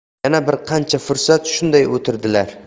yana bir qancha fursat shunday o'tirdilar